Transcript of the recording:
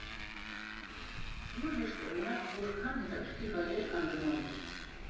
Հիմա հեշտ է, օրինակ, որքա՜ն հետաքրքիր վայրեր կան գնալու։